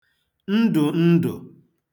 ndụ̀ndụ̀